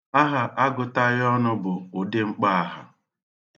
Aha agụtaghị ọnụ bụ ụdị mkpọaha.